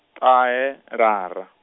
ṱahe lara.